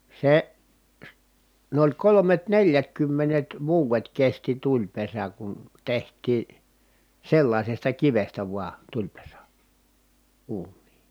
se - on oli kolmet neljätkymmenet vuodet kesti tulipesä kun tehtiin sellaisesta kivestä vain tulipesä uuniin